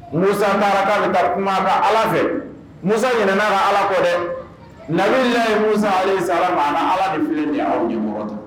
Musa taarari ala fɛ musa ɲ'ra ala ko dɛ na ye mu sara ala ni fi aw ɲɛ